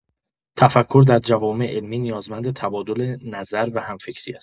تفکر در جوامع علمی نیازمند تبادل‌نظر و همفکری است.